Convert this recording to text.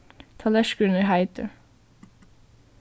tallerkurin er heitur